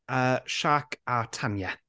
Yy Shaq a Tanya.